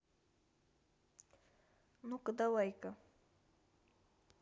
ну ка давайка